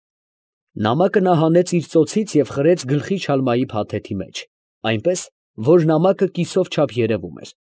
Նամակը նա հանեց իր ծոցից և խրեց գլխի չալմայի փաթեթի մեջ, այնպես, որ նամակը կիսով չափ երևում էր։